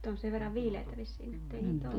nyt on sen verran viileää vissiin että ei ole